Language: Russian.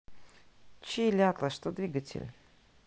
чили атлас что двигатель